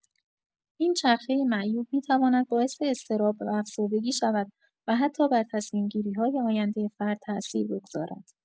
این چرخۀ معیوب می‌تواند باعث اضطراب و افسردگی شود و حتی بر تصمیم‌گیری‌های آیندۀ فرد تاثیر بگذارد.